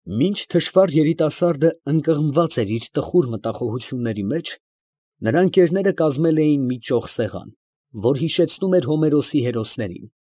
Մինչ թշվառ երիտասարդը ընկղմված էր իր տխուր մտախոհությունների մեջ, նրա ընկերները կազմել էին մի ճոխ սեղան, որ հիշեցնում էր Հոմերոսի հերոսներին։